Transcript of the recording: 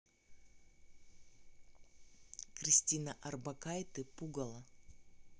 кристина орбакайте пугало